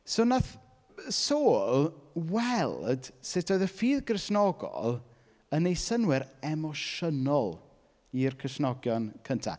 So wnaeth yy Saul weld sut oedd y ffydd Gristnogol yn wneud synnwyr emosiynol i'r Cristnogion cynta.